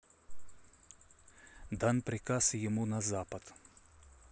дан приказ ему на запад